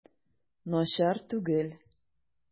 Начар түгел.